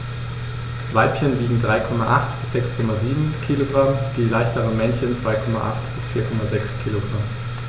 Weibchen wiegen 3,8 bis 6,7 kg, die leichteren Männchen 2,8 bis 4,6 kg.